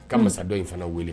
Ka masadɔ in fana wele